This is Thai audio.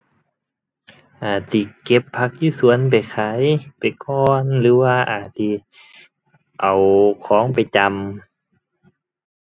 อาจสิเก็บผักอยู่สวนไปขายไปก่อนหรือว่าอาจสิเอาของไปจำ